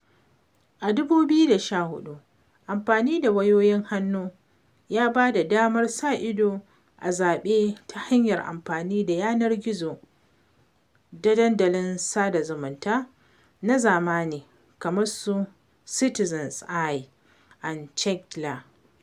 A 2014, amfani da wayoyin hannu ya ba da damar sa-idon zaɓe ta hanyar amfani da yanar gizo da dandalin sada zamunta na zamani kamar su 'Citizen's Eye and Txeka-lá'.